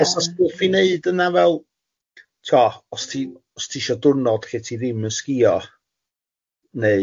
Os na stwff i neud yna fel tibod os ti os ti isio dwrnod lle ti ddim yn sgïo neu